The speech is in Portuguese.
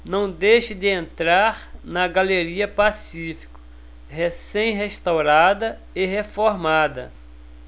não deixe de entrar na galeria pacífico recém restaurada e reformada